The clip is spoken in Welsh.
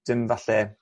dim falle